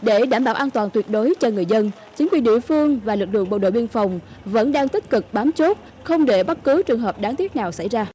để đảm bảo an toàn tuyệt đối cho người dân chính quyền địa phương và lực lượng bộ đội biên phòng vẫn đang tích cực bám chốt không để bất cứ trường hợp đáng tiếc nào xảy ra